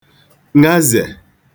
ṅazè